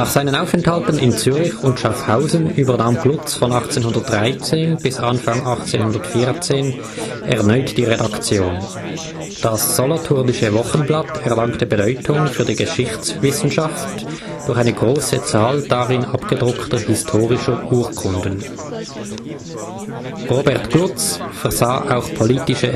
seinen Aufenthalten in Zürich und Schaffhausen übernahm Glutz von 1813 bis Anfang 1814 erneut die Redaktion. Das „ Solothurnische Wochenblatt “erlangte Bedeutung für die Geschichtswissenschaft durch eine grosse Zahl darin abgedruckter historischer Urkunden. Robert Glutz versah auch politische